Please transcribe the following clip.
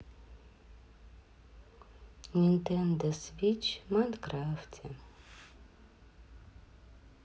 нинтендо свитч в майнкрафте